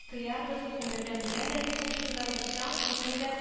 Тыярбыз, дип өметләндерделәр, син шунда торасың, үзең дә